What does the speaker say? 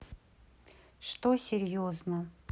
что серьезно